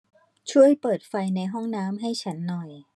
ช่วยเปิดไฟในห้องน้ำให้ฉันหน่อย